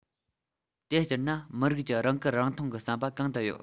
དེ ལྟར ན མི རིགས ཀྱི རང བཀུར རང མཐོང གི བསམ པ གང དུ ཡོད